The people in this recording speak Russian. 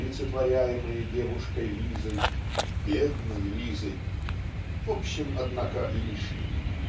олицетворяемые девушкой Лизой "бедной Лизой" (в общем однако лишней)